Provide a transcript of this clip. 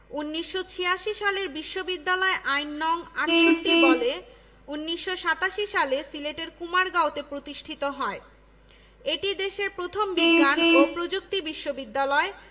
১৯৮৬ সালের বিশ্ববিদ্যালয় আইন নং ৬৮ বলে ১৯৮৭ সালে সিলেটের কুমারগাঁওতে প্রতিষ্ঠিত হয় এটি দেশের প্রথম বিজ্ঞান ও প্রযুক্তি বিশ্ববিদ্যালয়